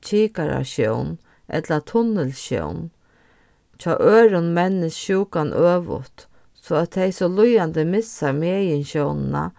kikarasjón ella tunnilssjón hjá øðrum mennist sjúkan øvugt so at tey so líðandi missa meginsjónina